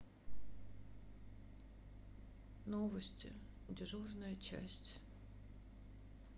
новости дежурная часть